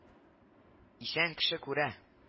Исән кеше күрә